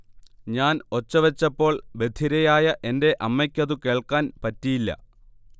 ഞാൻ ഒച്ച വെച്ചപ്പോൾ ബധിരയായ എന്റെ അമ്മയ്ക്കതു കേൾക്കാൻ പറ്റിയില്ല